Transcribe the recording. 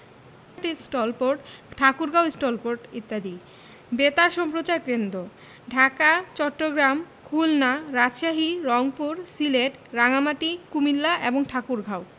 stall পোর্ট ঠাকুরগাঁও স্টল পোর্ট বেতার সম্প্রচার ক্রেন্দঃ ঢাকা চট্টগ্রাম খুলনা রাজশাহী রংপুর সিলেট রাঙ্গামাটি কুমিল্লা এবং ঠাকুরগাঁও